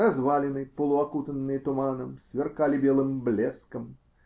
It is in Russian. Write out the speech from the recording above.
развалины, полуокутанные туманом, сверкали белым блеском.